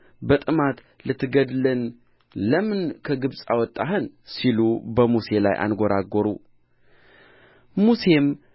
በጥማት ልትገድል ለምን ከግብፅ አወጣኸን ሲሉ በሙሴ ላይ አንጐራጐሩ ሙሴም